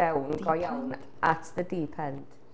fewn go iawn at the deep end.